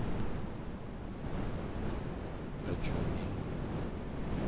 о чем же